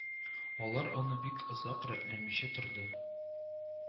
Алар аны бик озак рәтләмичә торды